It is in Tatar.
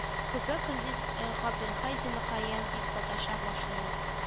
Көпә-көндез габделхәй җаныкаем дип саташа башлады